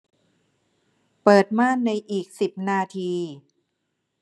เปิดม่านในอีกสิบนาที